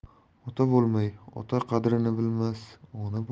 ota bo'lmay ota qadrini bilmas